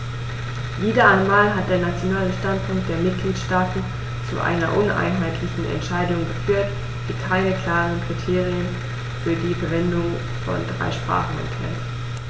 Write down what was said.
Wieder einmal hat der nationale Standpunkt der Mitgliedsstaaten zu einer uneinheitlichen Entscheidung geführt, die keine klaren Kriterien für die Verwendung von drei Sprachen enthält.